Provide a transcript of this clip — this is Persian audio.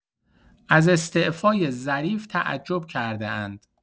از استعفای ظریف تعجب کرده‌اند.